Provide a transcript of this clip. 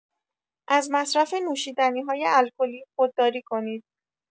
از مصرف نوشیدنی‌های الکلی خودداری کنید.